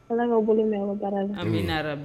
Ka bolo mɛn ka baara la